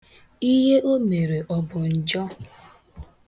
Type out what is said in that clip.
Ihe o mere ọ bụ njọ?